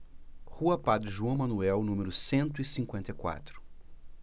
rua padre joão manuel número cento e cinquenta e quatro